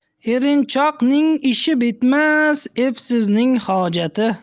erinchoqning ishi bitmas epsizning hojati